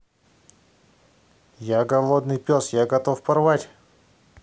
я голодный пес я готов порвать